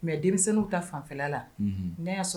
Mɛw ta fanfɛ la